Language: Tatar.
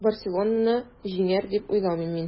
“барселона”ны җиңәр, дип уйламыйм мин.